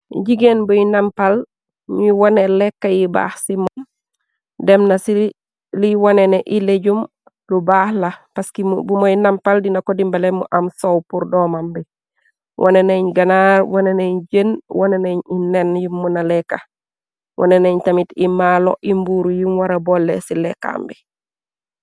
Jigéen buy nampal, ñuy wone lekka yi baax simon. dem na ci li wone ne ilejum lu baax la, paski bu mooy nampal dina kodimbale mu am sow pur doomam bi. wone nañ ganaar, wone nañ jën, wone nañ inenn yi mu na lekka . wone nañ tamit imaalo, imbuuru yim wara bolle ci lekkam bi.